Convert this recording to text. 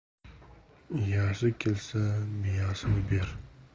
iyasi kelsa biyasini ber